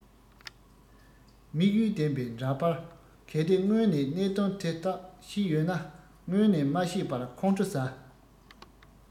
དམིགས ཡུལ ལྡན པའི འདྲ པར གལ ཏེ སྔོན ནས གནད དོན དེ དག བཤད ཡོད ན སྔོན ནས མ བཤད པར ཁོང ཁྲོ ཟ